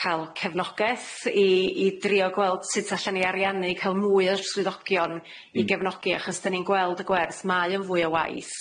call cefnogeth i i drio gweld sut allan ni ariannu i call mwy o'r swyddogion i gefnogi, achos 'dan ni'n gweld y gwerth. Mae o'n fwy o waith